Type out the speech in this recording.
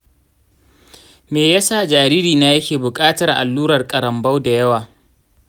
me yasa jaririna yake bukatar alluran ƙarambo da yawa?